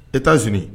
E t' zi